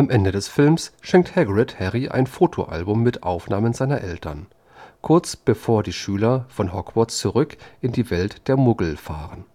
Ende des Films schenkt Hagrid Harry ein Fotoalbum mit Aufnahmen seiner Eltern, kurz bevor die Schüler von Hogwarts zurück in die Welt der „ Muggel “fahren